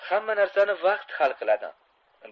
hamma narsani vaqt hal qiladi